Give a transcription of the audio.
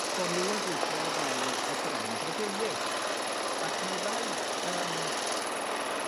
bo' nw yn gweithio o fewn y drefn Brydeinig ac meddai yym